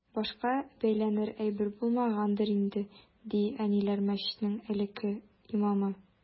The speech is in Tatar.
Башка бәйләнер әйбер булмагангадыр инде, ди “Әниләр” мәчетенең элекке имамы.